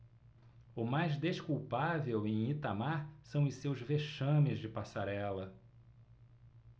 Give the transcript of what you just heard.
o mais desculpável em itamar são os seus vexames de passarela